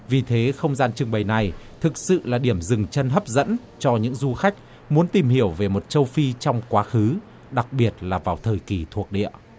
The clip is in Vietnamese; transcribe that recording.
vì thế không gian trưng bày này thực sự là điểm dừng chân hấp dẫn cho những du khách muốn tìm hiểu về một châu phi trong quá khứ đặc biệt là vào thời kỳ thuộc địa